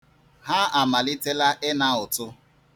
Ha amalitela ịna ụtụ.